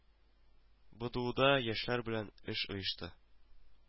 БДУда яшьләр белән эш оешты